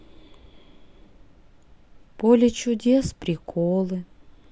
поле чудес приколы